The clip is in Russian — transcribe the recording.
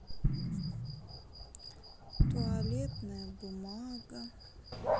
туалетная бумага